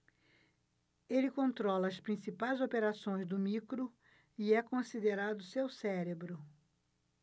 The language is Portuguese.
ele controla as principais operações do micro e é considerado seu cérebro